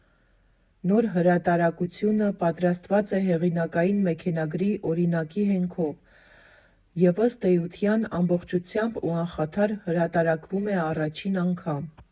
Նոր հրատարակությունը պատրաստված է հեղինակային մեքենագիր օրինակի հենքով, և, ըստ էության, ամբողջությամբ ու անխաթար հրատարակվում է առաջին անգամ։